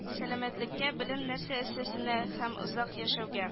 Сәламәтлеккә белем дәрә әсенә һәм озак яшәүгә